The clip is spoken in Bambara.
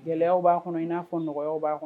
Gɛlɛyaw b'a kɔnɔ i n'a fɔ nɔgɔya b'a kɔnɔ